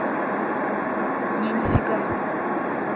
не нифига